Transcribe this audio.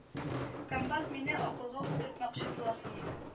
Комбат мине акылга утыртмакчы буласыңмы